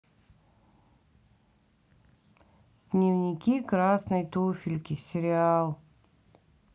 дневники красной туфельки сериал